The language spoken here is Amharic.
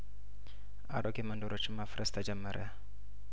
አሮጌ መንደሮችን ማፍረስ ተጀመረ